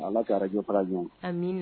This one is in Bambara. Ala kajɔraj